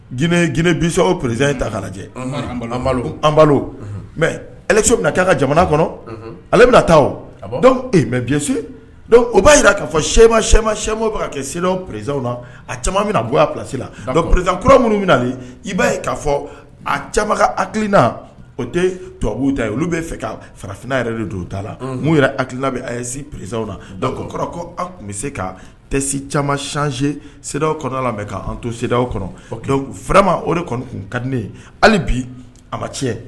W presiz in ta ka lajɛ mɛsi bɛ' ka jamana kɔnɔ ale bɛ taa mɛ bise o b'a jira k kaa fɔ sɛmama sɛma bɛ kɛ se presizw na a caman bɛna bɔ psi la mɛ pererez kura minnu na i'a'a fɔ a caman akiina o tubabubu ta yen olu bɛ fɛ ka farafinna yɛrɛ de don t'a la n'u yɛrɛ a hakilikiina bɛ si presizw na kɔrɔ ko tun bɛ se ka tɛsi camancse sew kɔnɔ'an to sew kɔnɔ fɛrɛma o de kɔni kun ka di hali bi a ma tiɲɛ